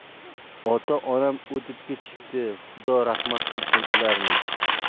ota onam o'tib ketishibdi xudo rahmat qilsin ularni